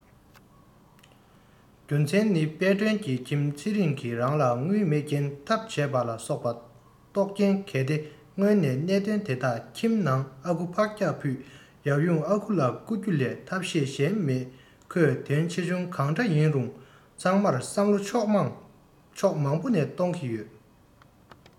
རྒྱུ མཚན ནི དཔལ སྒྲོན གྱི ཁྱིམ ཚེ རིང གི རང ལ དངུལ མེད རྐྱེན ཐབས བྱས པ ལ སོགས པ རྟོག རྐྱེན གལ ཏེ སྔོན ནས གནད དོན དེ དག ཁྱིམ ནང ཨ ཁུ ཕག སྐྱག ཕུད ཡབ ཡུམ ཨ ཁུ ལ བསྐུར རྒྱུ ལས ཐབས ཤེས གཞན མེད ཁོས དོན ཆེ ཆུང གང འདྲ ཡིན རུང ཚང མར བསམ བློ ཕྱོགས མང པོ ནས གཏོང གི ཡོད